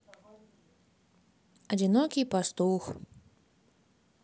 одинокий пастух